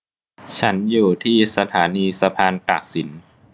ฉันอยู่ที่สถานีสะพานตากสิน